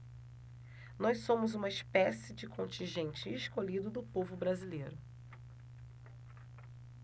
nós somos uma espécie de contingente escolhido do povo brasileiro